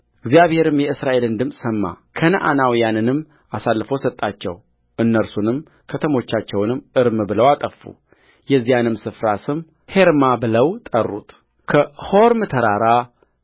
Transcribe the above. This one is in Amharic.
እግዚአብሔርም የእስራኤልን ድምፅ ሰማ ከነዓናውያንንም አሳልፎ ሰጣቸው እነርሱንም ከተሞቻቸውንም እርም ብለው አጠፉ የዚያንም ስፍራ ስም ሔርማ ብለው ጠሩትከሖርም ተራራ